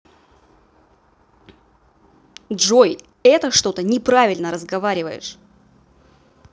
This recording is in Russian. джой это что то неправильно разговариваешь